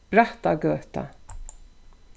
brattagøta